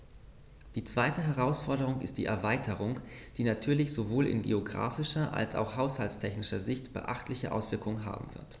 Die zweite Herausforderung ist die Erweiterung, die natürlich sowohl in geographischer als auch haushaltstechnischer Sicht beachtliche Auswirkungen haben wird.